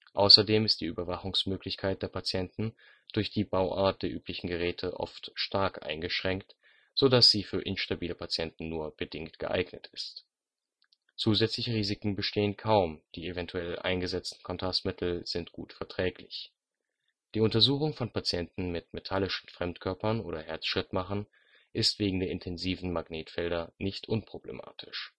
Außerdem ist die Überwachungsmöglichkeit der Patienten durch die Bauart der üblichen Geräte oft stark eingeschränkt, so dass sie für instabile Patienten nur bedingt geeignet ist. Zusätzliche Risiken bestehen kaum, die evtl. eingesetzten Kontrastmittel sind gut verträglich. Die Untersuchung von Patienten mit metallischen Fremdkörpern oder Herzschrittmachern ist wegen der intensiven Magnetfelder nicht unproblematisch